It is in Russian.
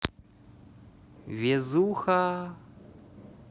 везуха